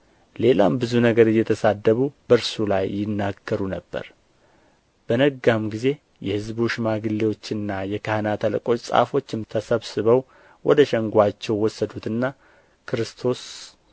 ሌላም ብዙ ነገር እየተሳደቡ በእርሱ ላይ ይናገሩ ነበር በነጋም ጊዜ የሕዝቡ ሽማግሌዎችና የካህናት አለቆች ጻፎችም ተሰብስበው ወደ ሸንጎአቸው ወሰዱትና ክርስቶስ